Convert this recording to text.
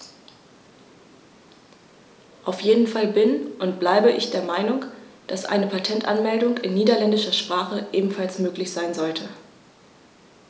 Auf jeden Fall bin - und bleibe - ich der Meinung, dass eine Patentanmeldung in niederländischer Sprache ebenfalls möglich sein sollte.